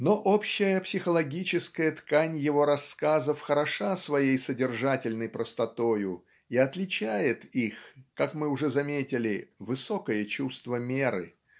Но общая психологическая ткань его рассказов хороша своей содержательной простотою и отличает их как мы уже заметили высокое чувство меры